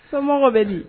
Somɔgɔw bɛ di.